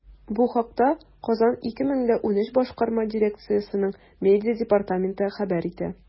Бу хакта “Казан 2013” башкарма дирекциясенең медиа департаменты хәбәр итә.